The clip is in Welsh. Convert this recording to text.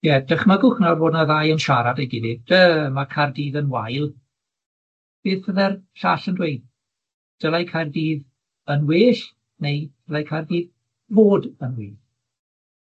Ie dychmygwch nawr fod 'na ddau yn siarad a'i gilydd, dy- ma' Cardydd yn wael, beth fydde'r llall yn dweud, dylai Caerdydd yn well neu ddylai Caerdydd fod yn well?